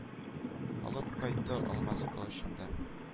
Алып кайтты алмаз кылычында